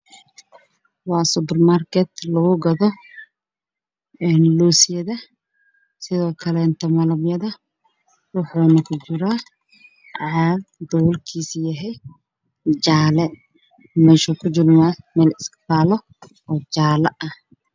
Waa superrmarket waxaa yaalo caagada jaalo